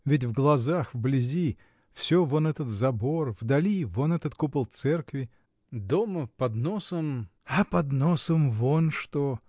Ведь в глазах, вблизи — всё вон этот забор, вдали — вон этот купол церкви, дома. под носом. — А под носом — вон что!